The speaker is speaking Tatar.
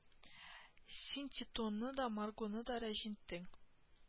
Син титоны да маргоны да рәҗенттең